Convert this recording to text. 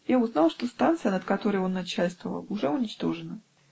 я узнал, что станция, над которой он начальствовал, уже уничтожена.